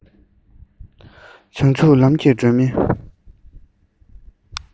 བྱང ཆུབ ལམ གྱི སྒྲོན མེ